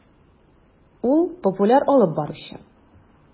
Ул - популяр алып баручы.